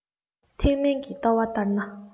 ཐེག དམན གྱི ལྟ བ ལྟར ན